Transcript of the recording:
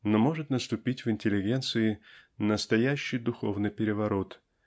Но может наступить в интеллигенции настоящий духовный переворот